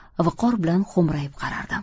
viqor bilan xo'mrayib qarardim